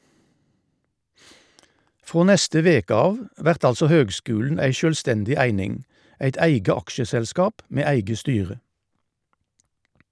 Frå neste veke av vert altså høgskulen ei sjølvstendig eining, eit eige aksjeselskap med eige styre.